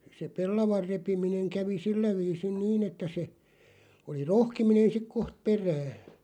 se pellavan repiminen kävi sillä viisin niin että se oli rohkiminen sitten kohta perään